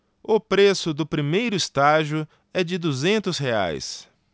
o preço do primeiro estágio é de duzentos reais